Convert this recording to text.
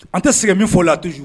An tɛ segin min fɔ la a tɛ s ju